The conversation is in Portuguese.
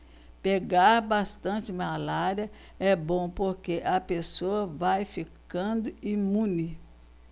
pegar bastante malária é bom porque a pessoa vai ficando imune